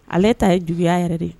Ale ta ye juguya yɛrɛ de